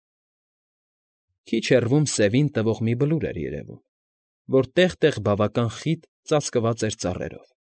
Քիչ հեռվում սևին տվող մի բլուր էր երևում, որ տեղ֊տեղ բավական խիտ ծածկված էր ծառերով։